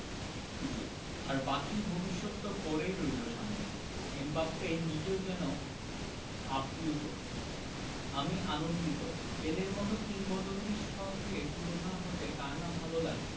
সুযোগ আর বাকি ভবিষ্যৎ তো পড়েই রইল সামনে এমবাপ্পে নিজেও যেন আপ্লুত আমি আনন্দিত পেলের মতো কিংবদন্তির সঙ্গে তুলনা হতে কার না ভালো লাগে